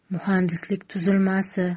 muhandislik tuzilmasi